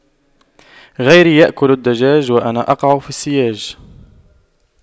غيري يأكل الدجاج وأنا أقع في السياج